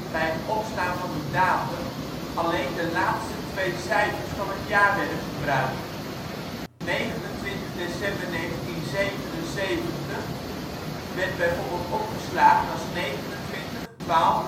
bij het opslaan van de datum alleen de laatste twee cijfers van het jaar werden gebruikt. 29 december 1977 werd bijvoorbeeld opgeslagen als 29-12-77